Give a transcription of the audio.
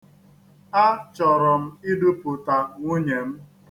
Achọrọ m idupụta nwunye m.